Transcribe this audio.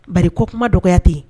Bari ko kuma dɔgɔ kuyate yen